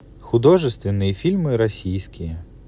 художественные фильмы российские